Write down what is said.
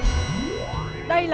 đây